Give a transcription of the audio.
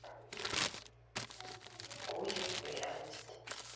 кузя в реальности